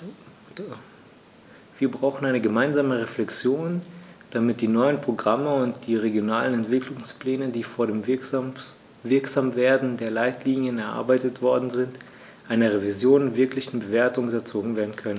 Wir brauchen eine gemeinsame Reflexion, damit die neuen Programme und die regionalen Entwicklungspläne, die vor dem Wirksamwerden der Leitlinien erarbeitet worden sind, einer Revision und wirklichen Bewertung unterzogen werden können.